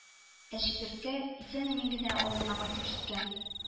Ә Чикерткә исән-имин генә авылына кайтып җиткән